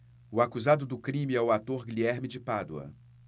o acusado do crime é o ator guilherme de pádua